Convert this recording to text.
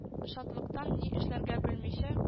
Шатлыктан ни эшләргә белмичә